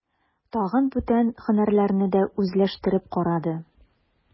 Тагын бүтән һөнәрләрне дә үзләштереп карады.